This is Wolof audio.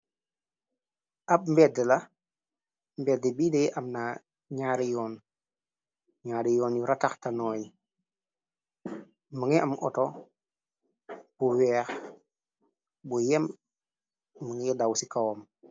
Ab mbedd la mbedd biidee am na ñaari yoon ñaari yoon yu rataxtanooy më nga am oto bu weex bu yemm mu ngay daw ci kawam.